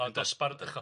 Ond dosbarth uchel.